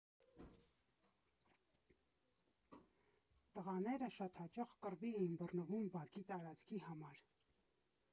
Տղաները շատ հաճախ կռվի էին բռնվում բակի տարածքի համար.